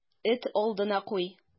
Эт алдына куй.